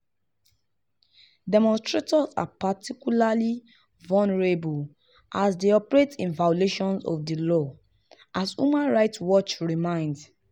Demonstrators are particularly vulnerable as they operate in violation of the law, as Human Rights Watch reminds: